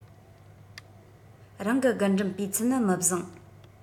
རང གི རྒུན འབྲུམ སྤུས ཚད ནི མི བཟང